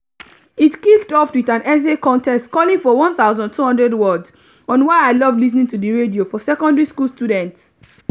It kicked off with an essay contest calling for 1,200 words on "why I love listening to the radio" for secondary school students.